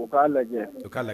U k'a lajɛ' lajɛ